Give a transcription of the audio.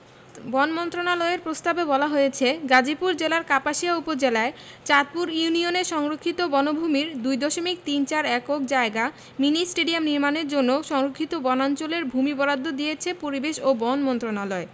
বন মন্ত্রণালয়ের প্রস্তাবে বলা হয়েছে গাজীপুর জেলার কাপাসিয়া উপজেলায় চাঁদপুর ইউনিয়নের সংরক্ষিত বনভূমির ২ দশমিক তিন চার একক জায়গা মিনি স্টেডিয়াম নির্মাণের জন্য সংরক্ষিত বনাঞ্চলের ভূমি বরাদ্দ দিয়েছে পরিবেশ ও বন মন্ত্রণালয়